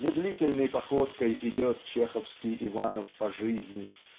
Медлительной походкой идет чеховский Иванов по жизни